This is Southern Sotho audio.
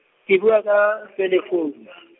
ke bua ka, selefounu.